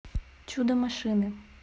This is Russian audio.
чудо машины